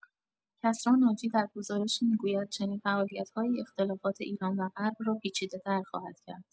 کسری ناجی در گزارشی می‌گوید چنین فعالیت‌هایی اختلافات ایران و غرب را پیچیده‌تر خواهد کرد